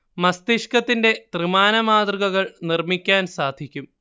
മസ്തിഷ്കത്തിന്റെ ത്രിമാന മാതൃകകൾ നിർമ്മിക്കാൻ സാധിക്കും